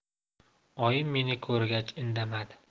oyim meni ko'rgach indamadi